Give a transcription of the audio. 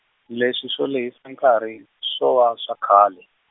leswi swo lehisa nkarhi, swo va swa khale.